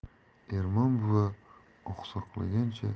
ermon buva oqsoqlagancha